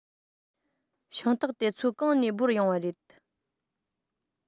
ཤིང ཏོག དེ ཚོ གང ནས དབོར ཡོང བ རེད